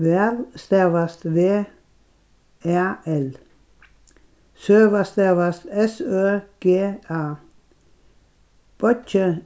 væl stavast v æ l søga stavast s ø g a beiggi